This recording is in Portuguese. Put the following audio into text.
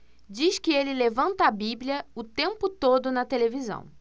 diz que ele levanta a bíblia o tempo todo na televisão